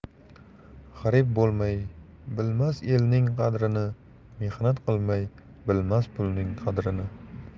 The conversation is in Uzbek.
g'arib bo'lmay bilmas elning qadrini mehnat qilmay bilmas pulning qadrini